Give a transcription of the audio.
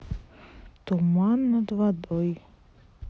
туман над водой